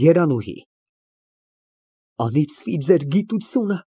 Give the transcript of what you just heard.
ԵՐԱՆՈՒՀԻ ֊ Անիծվի ձեր գիտությունը։